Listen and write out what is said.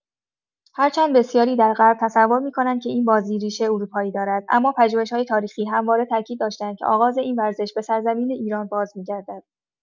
هرچند بسیاری در غرب تصور می‌کنند که این بازی ریشه اروپایی دارد، اما پژوهش‌‌های تاریخی همواره تاکید داشته‌اند که آغاز این ورزش به سرزمین ایران بازمی‌گردد.